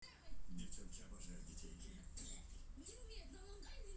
некто желает мне смерти